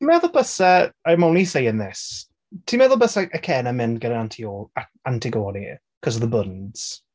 Ti'n meddwl byse, I'm only saying this, ti'n meddwl byse Ikenna yn mynd gyda Antio- Antigone? 'Cause of the buns.